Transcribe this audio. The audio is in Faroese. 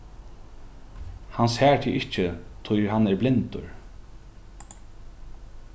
hann sær teg ikki tí hann er blindur